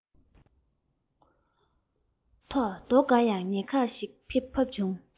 ཐོག རྡོ འགའ ཡང ཉེ འཁོར ཞིག ལ འཕངས བྱུང